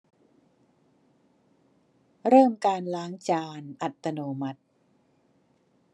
เริ่มการล้างจานอัตโนมัติ